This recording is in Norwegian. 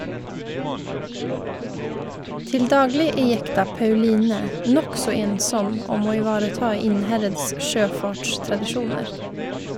Til daglig er jekta "Pauline" nokså ensom om å ivareta Innherreds sjøfartstradisjoner.